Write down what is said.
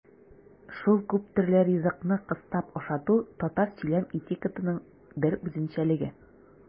Шул күптөрле ризыкны кыстап ашату татар сөйләм этикетының бер үзенчәлеге.